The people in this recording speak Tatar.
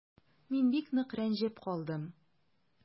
Мин бик нык рәнҗеп калдым.